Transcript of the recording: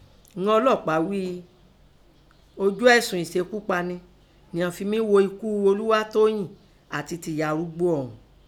Inan ọlọ́pǎ ghíi ojú ẹ̀sùn ìsekúpani nìan fi mí gho ekú Olúwatóyìn àtin tẹ ẹ̀yá arúgbó ọ̀ún.